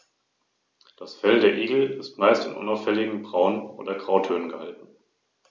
Neben den drei staatlichen Verwaltungsstellen des Biosphärenreservates gibt es für jedes Bundesland einen privaten Trägerverein.